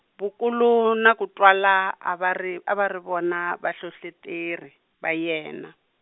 Vukulu na Kutwala a va ri a va ri vona vahlohloteri, va yena.